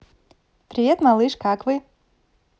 привет малыш как вы